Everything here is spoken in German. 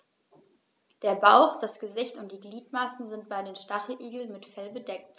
Der Bauch, das Gesicht und die Gliedmaßen sind bei den Stacheligeln mit Fell bedeckt.